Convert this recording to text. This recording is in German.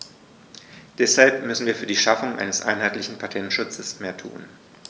Deshalb müssen wir für die Schaffung eines einheitlichen Patentschutzes mehr tun.